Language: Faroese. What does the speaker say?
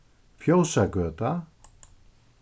fjósagøta